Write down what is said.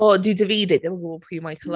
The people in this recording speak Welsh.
O dyw Davide ddim yn gwybod pwy yw Michael Ow-...